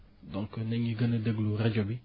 donc na ñuy gën a déglu rajo bi